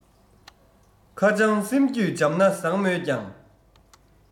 ཁ འཇམ སེམས རྒྱུད འཇམ ན བཟང མོད ཀྱང